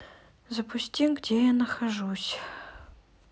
запусти где я нахожусь